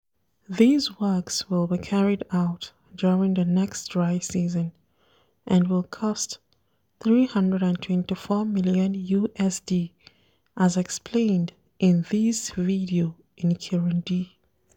These works will be carried out during the next dry season and will cost USD 324 million, as explained in this video in Kirundi.